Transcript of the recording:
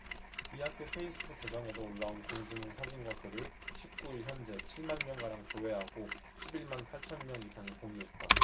이 학교 페이스북 계정에도 올라온 공지문 사진과 글을 십 구 일 현재 칠 만 명가량 조회하고 십 일 만 팔 천 명 이상이 공유했다